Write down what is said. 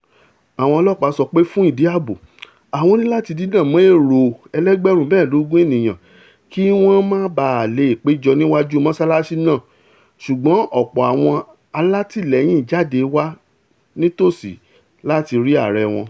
Àwọn ọlọ́ọ̀pá sọ pé fún ìdí ààbò àwọn ni làti dínà mọ́ èrò ẹlẹ́gbẹ̀rún mẹ́ẹ̀ẹ́dọ́gbọ̀n ènìyàn kí wọ́n má baà leè péjò níwáju mọ́sálásí náà, ṣùgbọ́n ọ̀pọ̀ àwọn alátìlẹ́yìn jáde wa nítòsí láti rí ààrẹ wọn.